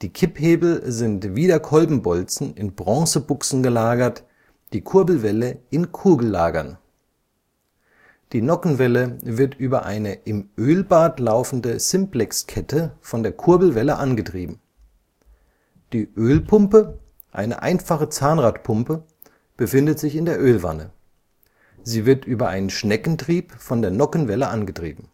Kipphebel sind wie der Kolbenbolzen in Bronzebuchsen gelagert, die Kurbelwelle in Kugellagern. Die Nockenwelle wird über eine im Ölbad laufende Simplexkette von der Kurbelwelle angetrieben. Die Ölpumpe, eine einfache Zahnradpumpe, befindet sich in der Ölwanne. Sie wird über einen Schneckentrieb (Untersetzung) von der Nockenwelle angetrieben